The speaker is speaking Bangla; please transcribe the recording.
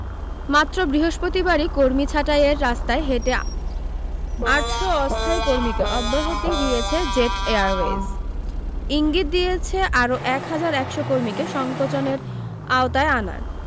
মাত্র বৃহস্পতিবারি কর্মী ছাঁটাইয়ের রাস্তায় হেঁটে আটশ অস্থায়ী কর্মীকে অব্যাহতি দিয়েছে জেট এয়ারওয়েজ ইঙ্গিত দিয়েছে আরও এক হাজার একশ কর্মীকে সঙ্কোচনের আওতায় আনার